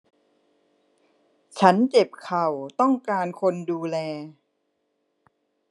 ฉันเจ็บเข่าต้องการคนดูแล